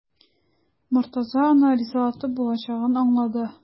Мортаза аны ризалатып булачагын аңлады.